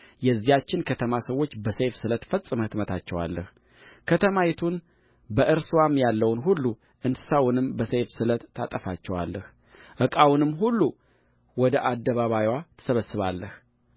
የዚያችን ከተማ ሰዎች በሰይፍ ስለት ፈጽሞ ትመታቸዋለህ ከተማይቱን በእርስዋም ያለውን ሁሉ እንስሳውንም በሰይፍ ስለት ታጠፋቸዋለህ ዕቃዋንም ሁሉ ወደ አደባባይዋ ትሰበሰባለህ